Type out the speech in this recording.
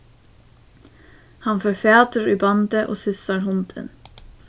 hann fær fatur í bandið og sissar hundin